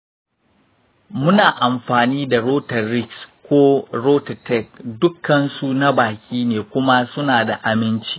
muna amfani da rotarix ko rotateq, dukkansu na baki ne kuma suna da aminci.